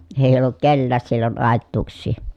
ei ollut kenelläkään silloin aituuksia